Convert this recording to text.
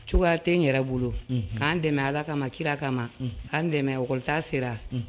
Cogoya te n yɛrɛ bolo unhun k'an dɛmɛ Ala kama kira kama k'an dɛmɛ école ta sera unh